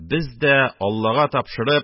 Без дә, аллага тапшырып,